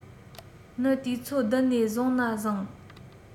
ནི དུས ཚོད བདུན ནས བཟུང ན བཟང